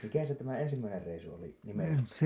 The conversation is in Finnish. mikä se tämä ensimmäinen reissu oli nimeltään